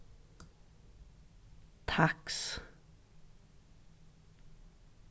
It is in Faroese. taks